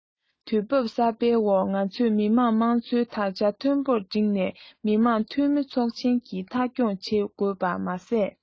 དུས བབ གསར པའི འོག ང ཚོས མི དམངས དམངས གཙོའི དར ཆ མཐོན པོར བསྒྲེངས ནས མི དམངས འཐུས མི ཚོགས ཆེན གྱི མཐའ འཁྱོངས བྱེད དགོས པ མ ཟད